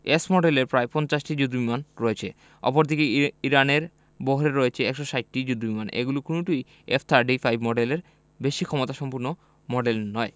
S মডেলের প্রায় ৫০টি যুদ্ধবিমান রয়েছে অপরদিকে ইরানের বহরে রয়েছে ১৬০টি যুদ্ধবিমান এগুলোর কোনোটিই এফ থার্টি ফাইভ মডেলের বেশি ক্ষমতাসম্পন্ন মডেল নয়